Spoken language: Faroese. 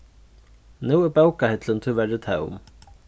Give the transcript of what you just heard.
nú er bókahillin tíverri tóm